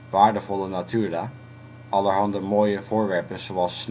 waardevolle) natura (allerhande ' mooie ' voorwerpen zoals